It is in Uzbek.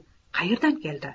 qaerdan keldi